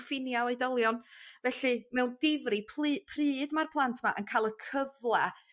ffinia oedolion felly mewn difri plu- pryd ma'r plant 'ma yn ca'l y cyfla